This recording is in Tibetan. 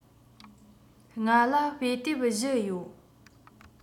ང ལ དཔེ དེབ བཞི ཡོད